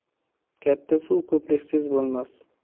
katta suv ko'priksiz bo'lmas